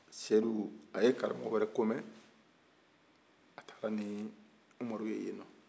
seyidu a ye karamɔgɔ wɛrɛ komɛn a taara ni umaru ye nɔ